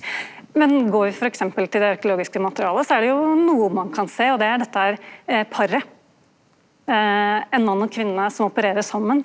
men går vi f.eks. til det arkeologiske materialet så er det jo noko ein kan sjå og det er dette her paret ein mann og kvinne som opererer saman.